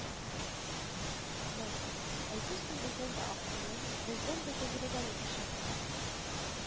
Быз, әйтерсең бездән дә акыллы, бездән дә тәҗрибәле кеше